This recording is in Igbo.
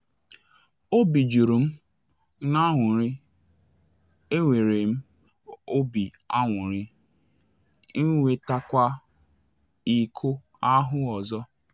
Obi juru m n’anụrị, enwere m obi anụrị ịnwetakwa iko ahụ ọzọ.